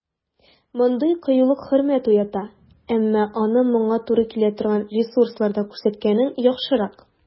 Мондый кыюлык хөрмәт уята, әмма аны моңа туры килә торган ресурсларда күрсәткәнең яхшырак.